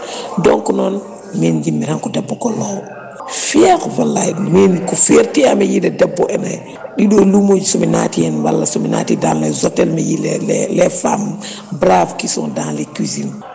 donc noon min jinmi tan ko debbo gollowo fier wallay min ko firté am yiide debbo ene ɗiɗo lumoji somi naati hen walla somi naati dans les hôtels mi yii les les femmes braves qui sont dans les cuisines